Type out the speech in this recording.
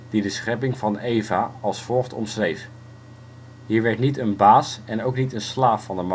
die de schepping van Eva als volgt omschreef: " hier werd niet een baas en ook niet een slaaf van